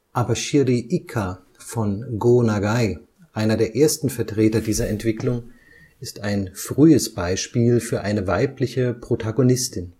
Abashiri Ikka von Gō Nagai, einer der ersten Vertreter dieser Entwicklung, ist ein frühes Beispiel für eine weibliche Protagonistin